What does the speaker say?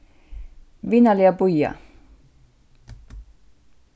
vinarliga bíða